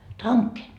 tanke